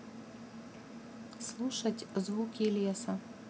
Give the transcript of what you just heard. слушать звуки леса